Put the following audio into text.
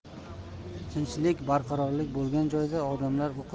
tinchlik barqarorlik bo'lgan joydagina odamlar